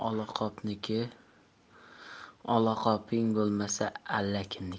olaqopniki olaqoping bo'lmasa allakimniki